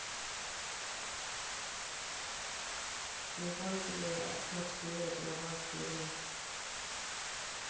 евангелие от матфея глава фирмы